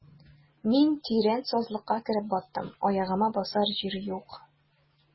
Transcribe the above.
Мин тирән сазлыкка кереп баттым, аягыма басар җир юк.